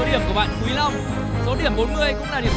điểm của bạn quý long số điểm bốn mươi